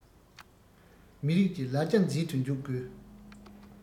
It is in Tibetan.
མི རིགས ཀྱི ལ རྒྱ འཛིན དུ འཇུག དགོས